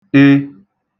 e